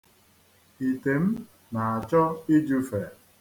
Ite m na-achọ ijufe.